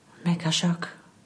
Mega sioc.